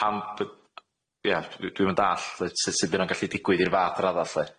Pam b- ia dwi dwi'm yn dall' lly su- sud bo hynna'n gallu digwydd i'r fath yr radda ly?